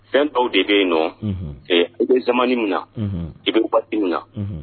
Fɛnbaw de bɛ yen nɔ i bɛ z min na i bɛ waatiw na